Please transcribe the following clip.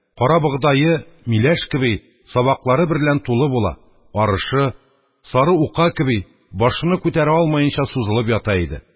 Карабогдае, миләш кеби, сабаклары берлән тулы була; арышы, сары ука кеби, башыны күтәрә алмаенча сузылып ята иде